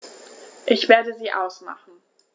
Ich werde sie ausmachen.